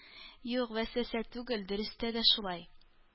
Юк, вәсвәсә түгел, дөрестә дә шулай.